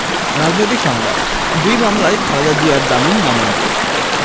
রাজনৈতিক সংবাদ দুই মামলায় খালেদা জিয়ার জামিন নামঞ্জুর